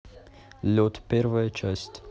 лед первая часть